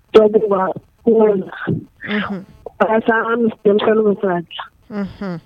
Den kun walasa an kelen ka